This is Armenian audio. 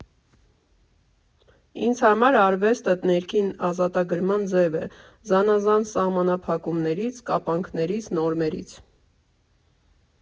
Ինձ համար արվեստը ներքին ազատագրման ձև է՝ զանազան սահմանափակումներից, կապանքներից, նորմերից։